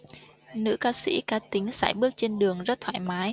nữ ca sỹ cá tính sải bước trên đường rất thoải mái